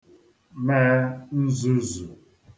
me nzuzù